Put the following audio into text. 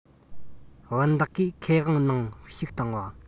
བུན བདག གིས ཁེ དབང ནང བཤུག བཏང བ